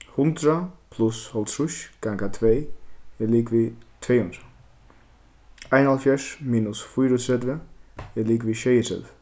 hundrað pluss hálvtrýss ganga tvey er ligvið tvey hundrað einoghálvfjerðs minus fýraogtretivu er ligvið sjeyogtretivu